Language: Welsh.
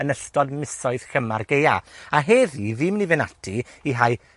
yn ystod misoedd llyma'r gaea. A heddi fi myn' i fynd ati i hau